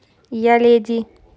я леди